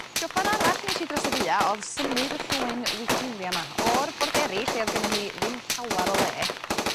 Joban arall nesh i dros y Gaea o'dd symud o llwyn weigelia 'ma o'r borderi lle o'dd gynnoc hi ddim llawar o le